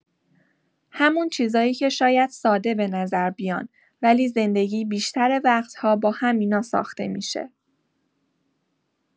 همون چیزایی که شاید ساده به نظر بیان، ولی زندگی بیشتر وقت‌ها با همینا ساخته می‌شه.